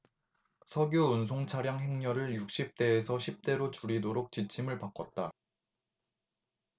석유 운송차량 행렬을 육십 대에서 십 대로 줄이도록 지침을 바꿨다